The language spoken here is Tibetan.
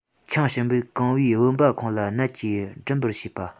ཆང ཞིམ པོས གང བའི བུམ པ ཁོང ལ ནན གྱིས འབྲིམ པར བྱས པ